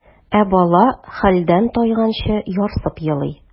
Ә бала хәлдән тайганчы ярсып елый.